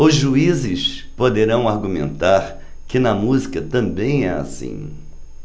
os juízes poderão argumentar que na música também é assim